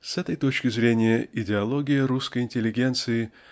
С этой точки зрения идеология русской интеллигенции